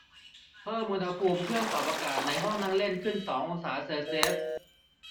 เพิ่มอุณหภูมิเครื่องปรับอากาศในห้องนั่งเล่นขึ้นสององศาเซลเซียส